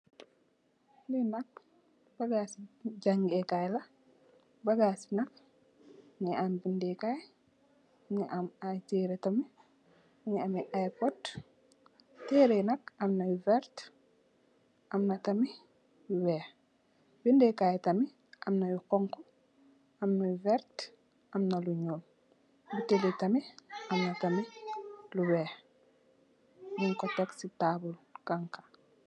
Li nak bagasi jangeh Kai la bagasi nak mungi am bindeh kai mungi am ay tereh tamit mungi ameh ay pot tereh yi nak amna yu veert amna tamit yu weex bindeh kai tamit amna yu xonxu amna yu weert amna yu nyool amna tamit lu weex nyunjko tek ci taabul kank